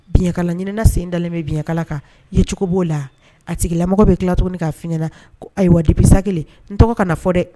Biɲɛkalaɲinina sen dalen bɛ biɲɛkala kan, yecogo b'o la, a tigilamɔgɔ bɛ tila tuguni k'a fɔ i ɲɛna ko ayiwa depuis sa kelen, n tɔgɔ kana fɔ dɛ